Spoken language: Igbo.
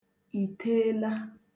ìteela